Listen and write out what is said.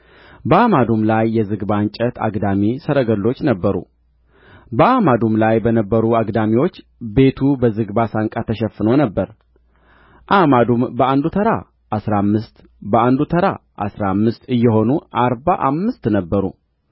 በአዕማዱም ላይ የዝግባ እንጨት አግዳሚ ሰረገሎች ነበሩ በአዕማዱም ላይ በነበሩ አግዳሚዎች ቤቱ በዝግባ ሳንቃ ተሸፍኖ ነበር አዕማዱም በአንዱ ተራ አሥራ አምስት በአንዱ ተራ አሥራ አምስት እየሆኑ አርባ አምስት ነበሩ